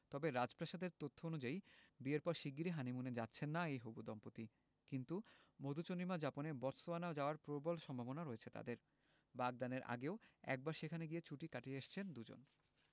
তবে রাজপ্রাসাদের তথ্য অনুযায়ী বিয়ের পর শিগগিরই হানিমুনে যাচ্ছেন না এই হবু দম্পতি কিন্তু মধুচন্দ্রিমা যাপনে বটসওয়ানা যাওয়ার প্রবল সম্ভাবনা রয়েছে বাগদানের আগেও একবার সেখানে গিয়ে ছুটি কাটিয়ে এসেছেন দুজন